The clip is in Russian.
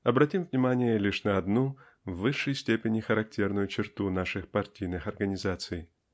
Обратим внимание лишь на одну в высшей степени характерную черту наших партийных организаций.